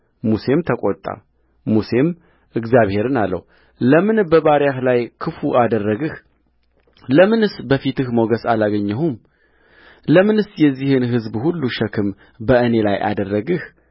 ሙሴም ተቈጣሙሴም እግዚአብሔርን አለው ለምን በባሪያህ ላይ ክፉ አደረግህ ለምንስ በፊትህ ሞገስ አላገኘሁም ለምንስ የዚህን ሕዝብ ሁሉ ሸክም በእኔ ላይ አደረግህ